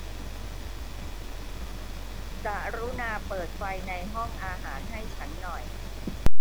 กรุณาเปิดไฟในห้องอาหารให้ฉันหน่อย